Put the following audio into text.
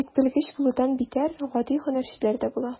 Ә бит белгеч булудан битәр, гади һөнәрчеләр дә була.